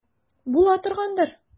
Була торгандыр.